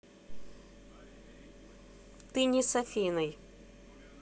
ты не с афиной